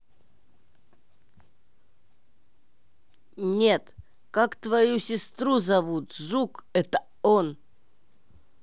нет как твою сестру зовут жук это он